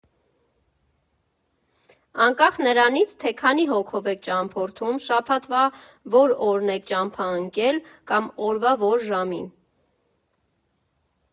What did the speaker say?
Անկախ նրանից, թե քանի հոգով եք ճամփորդում, շաբաթվա որ օրն եք ճամփա ընկել, կամ օրվա որ ժամին։